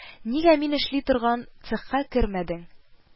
Нигә мин эшли торган цехка кермәдең